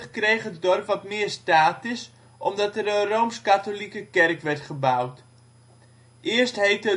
kreeg het dorp wat meer status omdat er een rooms-katholieke kerk werd gebouwd. Eerst heette